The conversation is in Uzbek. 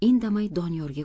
indamay doniyorga